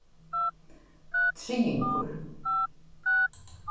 triðingur